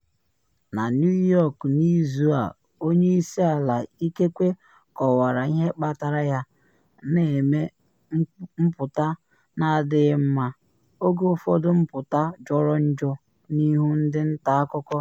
Na New York n’izu a onye isi ala ikekwe kọwara ihe kpatara ya, na eme mpụta na adịghị mma, oge ụfọdụ mpụta jọrọ njọ n’ihu ndị nta akụkọ.